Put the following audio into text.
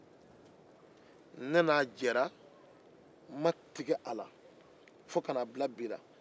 ne n'a jɛra n ma tigɛ a la fo ka n'a bila bi la